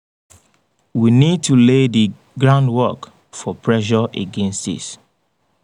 We need to lay the groundwork for pressure against this.